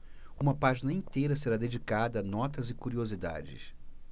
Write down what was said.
uma página inteira será dedicada a notas e curiosidades